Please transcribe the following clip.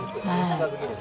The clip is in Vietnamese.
nhờ